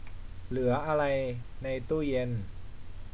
เหลืออะไรในตู้เย็น